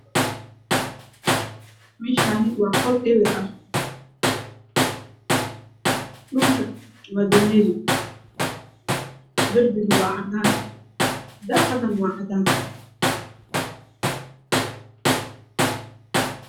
Meshaani waa qol eber ah dhulka waa dameri darbiga waa cadaan daqadne waa cadaan